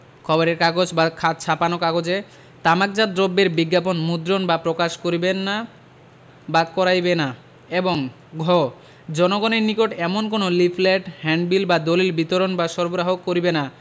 খবরের কাগজ বা ছাপানো কাগজে তামাকজাত দ্রব্যের বিজ্ঞাপন মুদ্রণ বা প্রকাশ করিবেন না বা করাইবে না এবং ঘ জনগণের নিকট এমন কোন লিফলেট হ্যান্ডবিল বা দলিল বিতরণ বা সরবরাহ করিবেনা